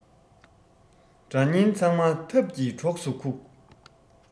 དགྲ གཉེན ཚང མ ཐབས ཀྱིས གྲོགས སུ ཁུག